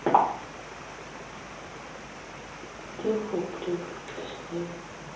дюфл пригород лесное